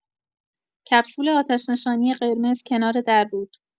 کپسول آتش‌نشانی قرمز کنار در بود.